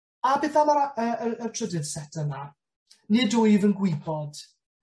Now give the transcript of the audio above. A beth am yr a- y y y trydydd set yna? Nid wyf yn gwybod.